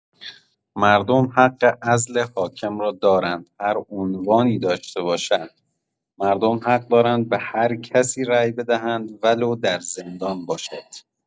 مردم حق عزل حاکم را دارند، هر عنوانی داشته باشد، مردم حق دارند به هر کسی رای بدهند ولو در زندان باشد!